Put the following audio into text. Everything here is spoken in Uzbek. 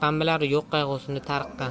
bilar yo'q qayg'usini tariqqan